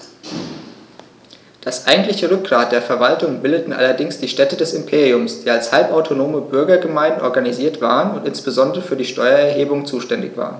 Das eigentliche Rückgrat der Verwaltung bildeten allerdings die Städte des Imperiums, die als halbautonome Bürgergemeinden organisiert waren und insbesondere für die Steuererhebung zuständig waren.